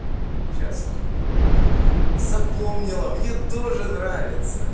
запомнила мне тоже нравится